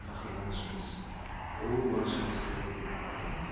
faxrlanishimiz g'ururlanishimiz kerak deb aytaman